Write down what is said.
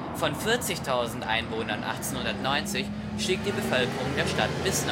Von 40.000 Einwohnern 1890 stieg die Bevölkerung der Stadt bis 1924